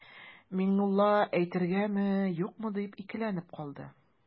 Миңнулла әйтергәме-юкмы дип икеләнеп калды.